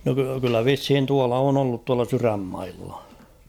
no - kyllä vissiin tuolla on ollut tuolla sydänmailla